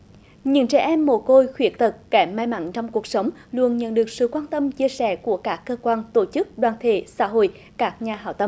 những trẻ em mồ côi khuyết tật kém may mắn trong cuộc sống luôn nhận được sự quan tâm chia sẻ của các cơ quan tổ chức đoàn thể xã hội các nhà hảo tâm